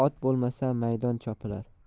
ot bo'lmasa maydon chopilar